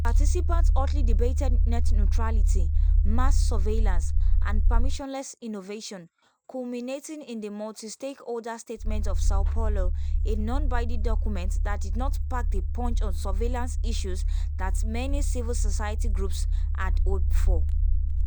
Participants hotly debated net neutrality, mass surveillance and “permissionless” innovation, culminating in the Multistakeholder Statement of Sao Paulo, a non-binding document that did not pack the punch on surveillance issues that many civil society groups had hoped for.